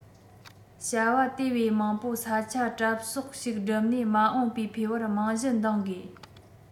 བྱ བ དེ བས མང བོ ས ཆ གྲབས གསོག ཞིག སྒྲུབ ནས མ འོངས བའི འཕེལ བར རྨང གཞི གདིང དགོས